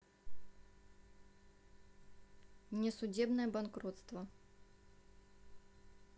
несудебное банкротство